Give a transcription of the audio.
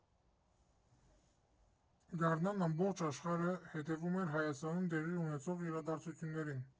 Գարնանն ամբողջ աշխարհը հետևում էր Հայաստանում տեղի ունեցող իրադարձություններին։